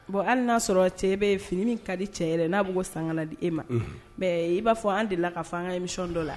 Bon hali y'a sɔrɔ cɛ bɛ fini ka di cɛ yɛrɛ n'a b'o san di e ma i b'a fɔ an de la ka fanga i nisɔn dɔ la